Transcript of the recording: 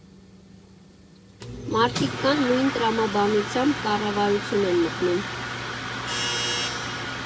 Մարդիկ կան նույն տրամաբանությամբ կառավարություն են մտնում։